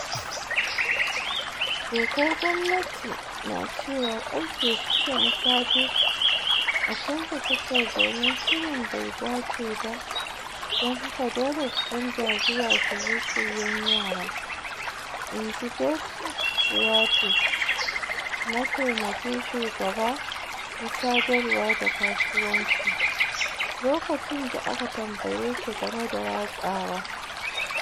"Dokar gwamnati na cewa karfe 6 na safe a canza tashar domin shirin bai dace ba don haka dole su canza zuwa shirye shiryen yara," in ji Dave Schwartz, matamakin shugaba na sadarwa da kasuwanci, lokacin da aka tambaye shi game da watsawa.